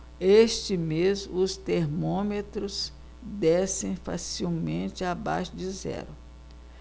este mês os termômetros descem facilmente abaixo de zero